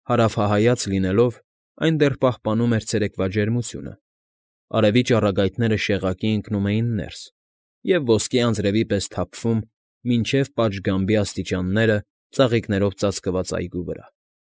Հարավահայց լինելով, այն դեռ պահպանում էր ցերեկվա ջերմությունը, արևի ճառագայթները շեղակի ընկնում էին ներս ու ոսկե անձրևի պես թափվում մինչև պատշգամբի աստիճանները ծաղիկներով ծածկված այգու վրա։